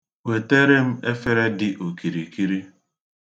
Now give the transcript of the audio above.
Wetere m efere dị okirikirị